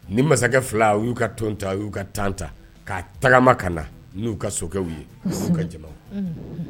Ni masakɛ fila y'u ka tɔn ta u y'u ka tan ta k'a tagama ka na nu ka sokɛw ye'u ka jama